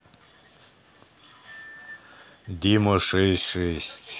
дима шесть шесть